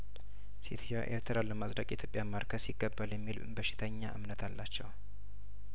ሴትዮዋ ኤርትራን ለማጽደቅ ኢትዮጵያን ማርከስ ይገባል የሚል በሽተኛ እምነት አላቸው